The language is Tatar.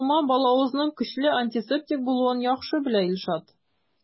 Тома балавызның көчле антисептик булуын яхшы белә Илшат.